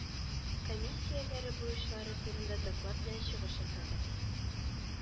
Комиссияләре бурычлары турында доклад белән чыгыш ясады